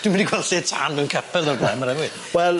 Dwi'm wedi gweld lle tân mewn capel o'r bla'n ma' rai' weud. Wel